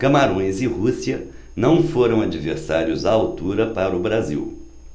camarões e rússia não foram adversários à altura para o brasil